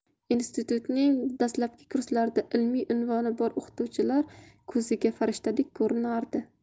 institutning dastlabki kurslarida ilmiy unvoni bor o'qituvchilar ko'ziga farishtadek ko'rinardi